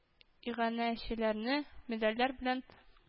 Иганәчеләрне медальләр белән